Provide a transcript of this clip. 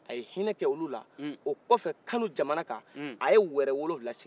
a ye ɲinɛ kɛ olu la o kɔfɛ kanu jamana kan a ye wɛrɛ wolowula sigi